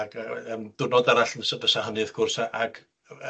ac yy yym diwrnod arall fysa fysa hynny wrth gwrs, a ac yy